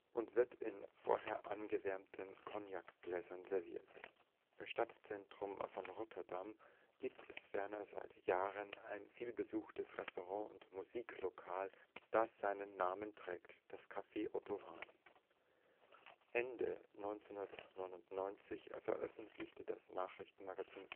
und wird in vorher angewärmten Cognac-Gläsern serviert. Im Stadtzentrum von Rotterdam (Ommoord) gibt es ferner seit Jahren ein vielbesuchtes Restaurant und Musiklokal, das seinen Namen trägt: das Café Otto Hahn. Ende 1999 veröffentlichte das Nachrichtenmagazin